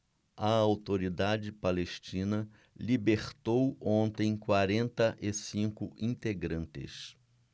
a autoridade palestina libertou ontem quarenta e cinco integrantes